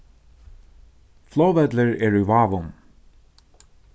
flogvøllur er í vágum